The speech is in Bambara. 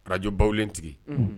Arajbawlentigi